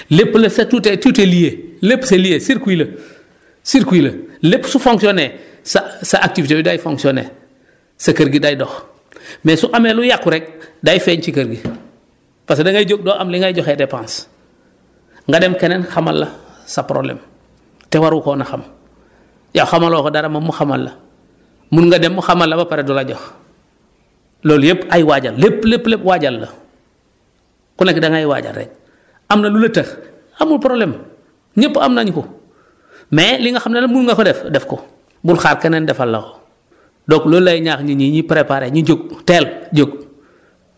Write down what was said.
lépp la c' est tout est tout est lié lépp c' est lié circuit la circuit la lépp su fonctionné sa sa activité bi day fonctionné sa kër gi day dox mais su amee lu yàqu rek day feeñ ci kër gi parce que da ngay jóg doo am li ngay joxee dépense nga dem keneen xamal la sa problème te waru ko woon a xam yow xamaloo ko dara moom mu xamam la mun nga dem mu xamal la ba pare du la jox loolu yëpp ay waajal lépp lépp lépp waajal la ku nekk da ngay waajal rek am na lu la të amul problème ñëpp am nañu ko mais li nga xam ne nag mun nga ko def def ko bul xaar keneen defal la ko donc loolu laay ñaax nit ñi ñiy préparer ñu jóg teel jóg